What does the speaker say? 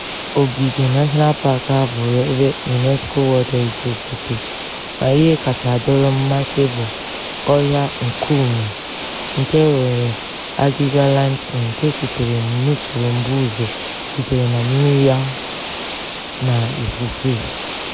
Ogige National Park a bụ ebe UNESCO World Heritage Site, ma ihe kacha adọrọ mmasị bụ ọhịa nkume nke nwere agịga limestone nke sitere n'usoro mbuze sitere na mmiri ala na ifufe.